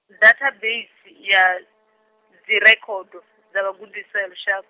dathabeisi, ya, dzirekhodo, dza vhagudiswa ya lusha-.